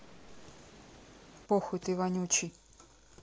похуй ты вонючий